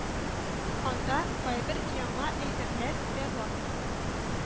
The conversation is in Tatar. Анда кайбер яңа әйберләр дә бар